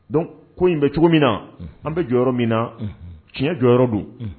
Dɔnku ko in bɛ cogo min na an bɛ jɔyɔrɔ yɔrɔ min na tiɲɛ jɔyɔrɔ yɔrɔ don